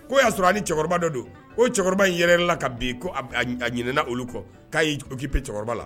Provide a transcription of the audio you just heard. Ko y'a sɔrɔ a ni cɛkɔrɔba dɔ don o cɛkɔrɔba in yɛrɛla la ka bin ko a ɲɛna olu kɔ k'a'ikip cɛkɔrɔba la